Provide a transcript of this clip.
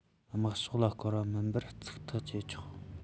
དམག ཕྱོགས ལ བསྐུར བ མིན པར ཚིག ཐག བཅད ཆོག